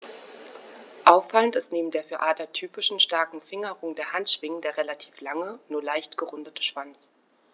Auffallend ist neben der für Adler typischen starken Fingerung der Handschwingen der relativ lange, nur leicht gerundete Schwanz.